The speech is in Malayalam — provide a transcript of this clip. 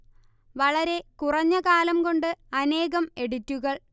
വളരെ കുറഞ്ഞ കാലം കൊണ്ട് അനേകം എഡിറ്റുകൾ